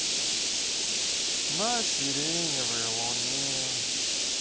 на сиреневой луне